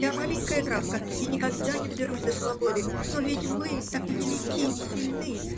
Я – маленькая травка и никогда не доберусь до свободы, но ведь вы так велики и сильны!